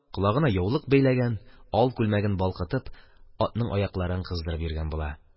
Колагына яулык бәйләгән, ал күлмәген балкытып, атның аякларын кыздырып йөргән була.